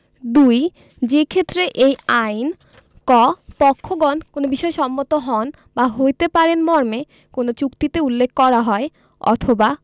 ২ যেইক্ষেত্রে এই আইন ক পক্ষগণ কোন বিষয়ে সম্মত হন বা হইতে পারেন মর্মে কোন চুক্তিতে উল্লেখ করা হয় অথবা